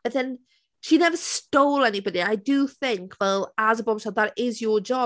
But then she never stole anybody and I do think well as a bombshell, that is your job.